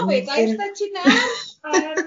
A wedai wrtha ti nerf!